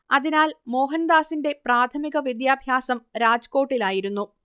അതിനാൽ മോഹൻദാസിന്റെ പ്രാഥമിക വിദ്യാഭ്യാസം രാജ്കോട്ടിലായിരുന്നു